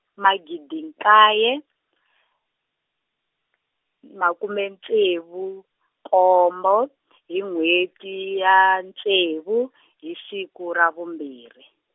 magidi nkaye , makume ntsevu nkombo , hi n'wheti ya ntsevu , hi siku ra vumbirhi.